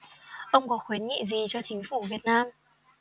ông có khuyến nghị gì cho chính phủ việt nam